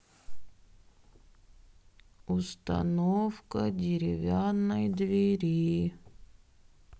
установка деревянной двери